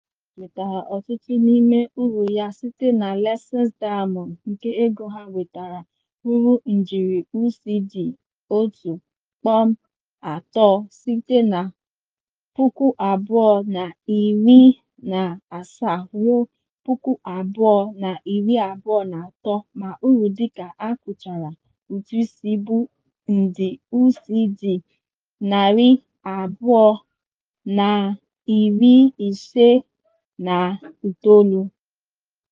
GEM Diamonds nwetara ọtụtụ n'ime uru ya site na Letšeng Diamonds, nke ego ha nwetara ruru ijeri USD 1.3 site na 2017 ruo 2023 ma uru dịka a kwụchara ụtụisi bụ nde USD 259.